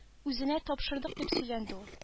Үзенә тапшырдык дип сөйләнде ул